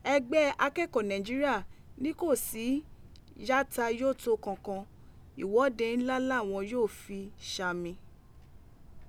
Ẹgbẹ Akẹkọọ Naijiria ni ko si yatayoto kankan, iwọde nla lawọn yoo fi ṣami.